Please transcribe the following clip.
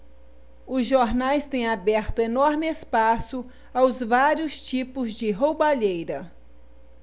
os jornais têm aberto enorme espaço aos vários tipos de roubalheira